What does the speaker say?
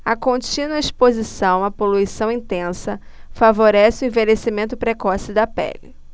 a contínua exposição à poluição intensa favorece o envelhecimento precoce da pele